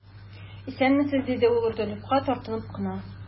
Исәнмесез, абый,– диде ул Рудольфка, тартынып кына.